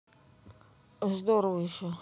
здорово еще